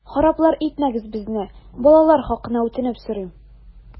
Хараплар итмәгез безне, балалар хакына үтенеп сорыйм!